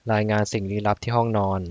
รายงานสิ่งลี้ลับที่ห้องนอน